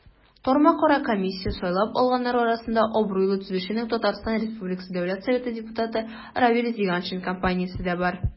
Тармакара комиссия сайлап алганнар арасында абруйлы төзүченең, ТР Дәүләт Советы депутаты Равил Зиганшин компаниясе дә бар.